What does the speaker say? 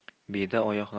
mana quyosh tog'